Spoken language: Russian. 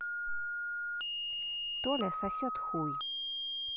толя сосет хуй